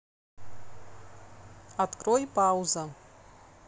открой пауза